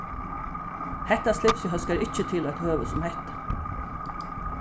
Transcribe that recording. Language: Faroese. hetta slipsið hóskar ikki til eitt høvi sum hetta